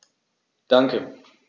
Danke.